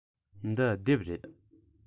འདི དེབ རེད